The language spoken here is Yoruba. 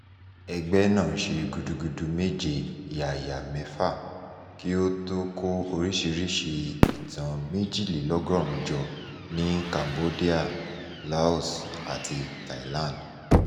Ẹgbẹ́ náà ṣe gudugudu méje yàyà mẹ́fà kí ó tó kó oríṣiríṣi ìtàn 102 jọ ní Cambodia, Laos, àti Thailand.